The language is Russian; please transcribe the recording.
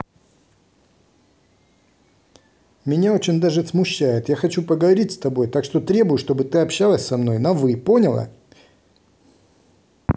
меня очень даже смущает я хочу поговорить с тобой так что требую чтобы ты общалась со мной на вы поняла